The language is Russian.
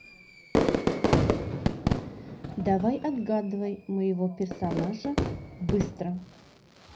давай отгадывай моего персонажа быстро